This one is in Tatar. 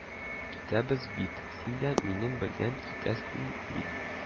– китәбез бит, син дә минем белән китәсен бит